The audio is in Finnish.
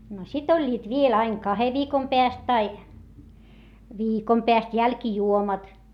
no sitten olivat vielä aina kahden viikon päästä tai viikon päästä jälkijuomat